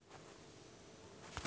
антон власов открываем сто киндеров